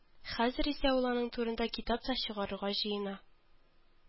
Хәзер исә ул аның турында китап та чыгарырга җыена